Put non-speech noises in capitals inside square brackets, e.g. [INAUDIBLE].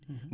[HESITATION] [HESITATION]